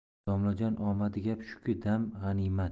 domlajon omadi gap shuki dam g'animat